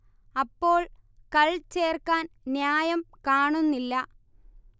അപ്പോൾ കൾ ചേർക്കാൻ ന്യായം കാണുന്നില്ല